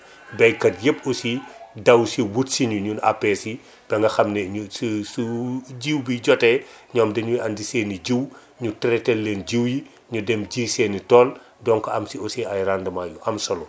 baykat yëpp aussi daw si wut si ñu ñun APS yi ba nga xam ne ñun su su su jiwu bi jotee ñoom dañuy andi seen i jiwu ñu traité leen jiwu yi ñu dem ji seen i tool donc am si aussi ay rendements yu am solo